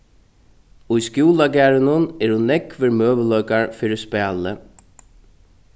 í skúlagarðinum eru nógvir møguleikar fyri spæli